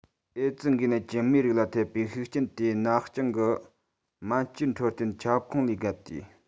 ཨེ ཙི འགོས ནད ཀྱིས མིའི རིགས ལ ཐེབས པའི ཤུགས རྐྱེན དེ སྣ རྐྱང གི སྨན བཅོས འཕྲོད བསྟེན ཁྱབ ཁོངས ལས བརྒལ ཏེ